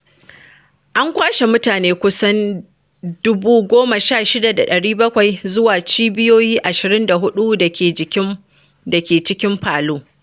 An kwashe kusan mutane 16,700 zuwa cibiyoyi 24 da ke cikin Palu.